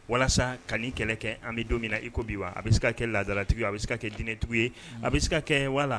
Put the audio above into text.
Walasa ka nin ko in kɛlɛ kɛ an bɛ don min i ko bi wa, a bɛ se ka kɛ ladalatigiw ye, a bɛ se ka kɛ diiɛinɛtigi ye a bɛ se ka kɛ wala